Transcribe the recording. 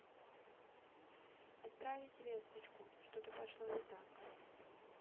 отправить весточку что то пошло не так